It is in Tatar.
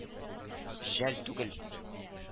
Жәл түгел